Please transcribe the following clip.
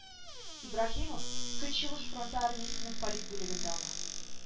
Ибраһимов көнчыгыш фронты армиясенең полит бүлегендә ала